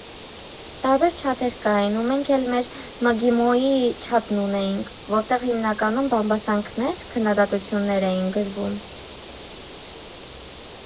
Տարբեր չաթեր կային ու մենք էլ մեր ՄԳԻՄՈ֊ի չաթն ունեինք, որտեղ հիմնականում բամբասանքներ, քննադատություններ էին գրվում։